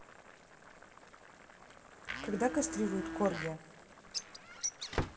когда кастрируют корги